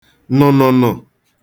nụ̀nụ̀nụ̀